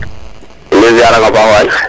in way ziare ang a paax waay